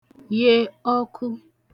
ye ọkụ